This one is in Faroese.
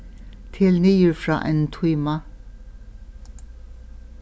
tel niður frá einum tíma